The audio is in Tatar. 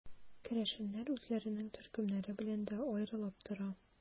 Керәшеннәр үзләренең төркемнәре белән дә аерылып тора.